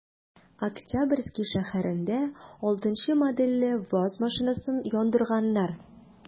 Октябрьский шәһәрендә 6 нчы модельле ваз машинасын яндырганнар.